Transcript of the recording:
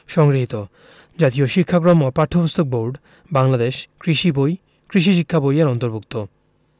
সংগৃহীত জাতীয় শিক্ষাক্রম ও পাঠ্যপুস্তক বোর্ড বাংলাদেশ কৃষিবই কৃষি শিক্ষা বই এর অন্তর্ভুক্ত